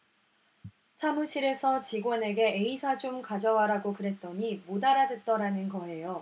사무실에서 직원에게 에이사 좀 가져와라고 그랬더니 못 알아듣더라는 거예요